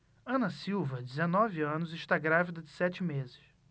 ana silva dezenove anos está grávida de sete meses